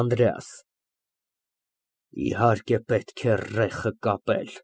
ԱՆԴՐԵԱՍ ֊ Իհարկե, պետք է ռեխը կապել։